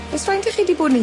Ers faint 'ych chi di bod yn...